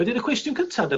wedyn y cwestiwn cynta 'de...